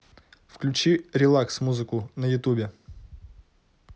включи релакс музыку на ютубе